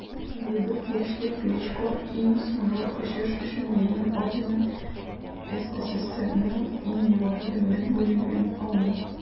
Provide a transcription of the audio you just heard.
54 яшьлек гречко иң соңгы очыш өчен ленин ордены - сссрның иң югары дәүләт бүләген алды.